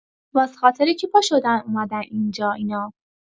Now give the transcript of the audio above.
واس خاطر کی پا شدن اومدن اینجا اینا؟